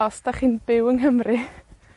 Os 'dach chi'n byw yng Nghymru,